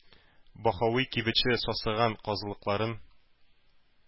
Баһави кибетче сасыган казылыкларын